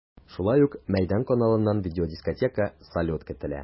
Шулай ук “Мәйдан” каналыннан видеодискотека, салют көтелә.